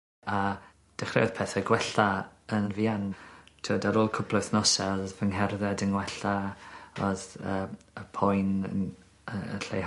a dechreuodd pethe gwella yn fuan t'od ar ôl cwpwl o wythnose odd fy ngherdded yng ngwella odd yy y poen yn yy yn lleihau.